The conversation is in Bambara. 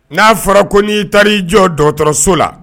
N'a fɔra n'i taara i jɔ dɔ dɔgɔtɔrɔso la